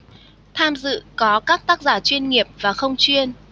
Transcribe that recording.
tham dự có các tác giả chuyên nghiệp và không chuyên